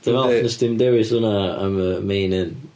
Dwi'n falch wnest ti'm dewis hwnna am y main un.